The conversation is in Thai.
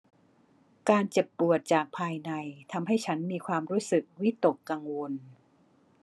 การเจ็บปวดจากภายในทำให้ฉันมีความรู้สึกวิตกกังวล